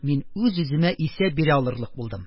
Мин үз-үземә исәп бирә алырлык булдым.